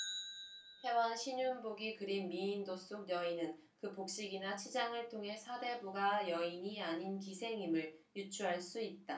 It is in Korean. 혜원 신윤복이 그린 미인도 속 여인은 그 복식이나 치장을 통해 사대부가의 여인이 아닌 기생임을 유추할 수 있다